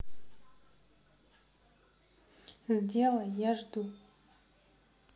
сделай я жду